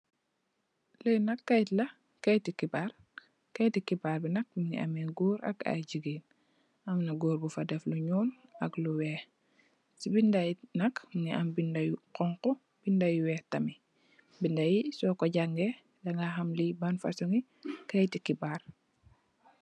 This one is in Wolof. Li nak keyit la keyeti xibaar. Keyetti xibaar bi nak mungi am ay goor ak ay jigeen, amna goor bufa def lu ñuul, lu weex. Ci binda yi nak mungi ame binda yu xonxo, binda yu weex tamit. Binda yi soko jange danga ham li ban fosomi keyetti xibaar la.